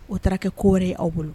O taara kɛ ko wɛrɛ ye aw bolo